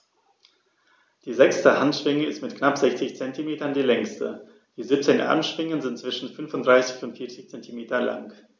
Die sechste Handschwinge ist mit knapp 60 cm die längste. Die 17 Armschwingen sind zwischen 35 und 40 cm lang.